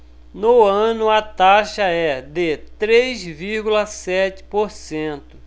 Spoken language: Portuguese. no ano a taxa é de três vírgula sete por cento